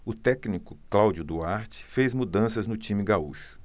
o técnico cláudio duarte fez mudanças no time gaúcho